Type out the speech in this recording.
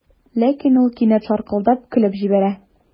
Ләкин ул кинәт шаркылдап көлеп җибәрә.